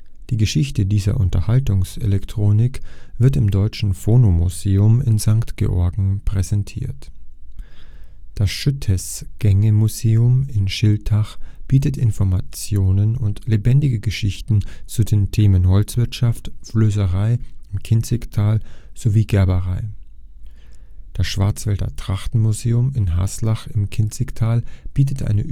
die Geschichte dieser Unterhaltungselektronik wird im Deutschen Phonomuseum in St. Georgen präsentiert. Das Schüttesäge-Museum in Schiltach bietet Informationen und lebendige Geschichte zu den Themen Holzwirtschaft, Flößerei im Kinzigtal sowie Gerberei. Das Schwarzwälder Trachtenmuseum in Haslach im Kinzigtal bietet eine